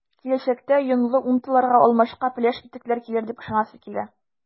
Киләчәктә “йонлы” унтыларга алмашка “пеләш” итекләр килер дип ышанасы килә.